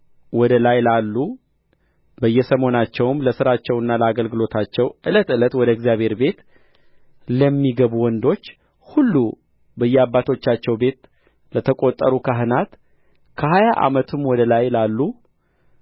ወደ ላይ ላሉ በየሰሞናቸው ለሥራቸውና ለአገልግሎታቸው ዕለት ዕለት ወደ እግዚአብሔር ቤት ለሚገቡ ወንዶች ሁሉ በየአባቶቻቸውም ቤት ለተቈጠሩ ካህናት ከሀያ ዓመትም ወደ ላይ ላሉ